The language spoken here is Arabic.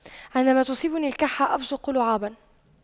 عندما تصيبني الكحة أبصق لعابا